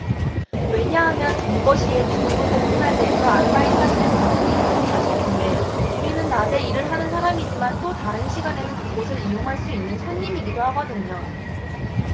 왜냐하면 점거 시에 대부분 맥도날드에서 아르바이트하시는 분들이 많이 가실 텐데 우리는 낮에 일을 하는 사람이지만 또 다른 시간에는 그곳을 이용할 수 있는 손님이기도 하거든요